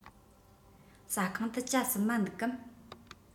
ཟ ཁང དུ ཇ སྲུབས མ འདུག གམ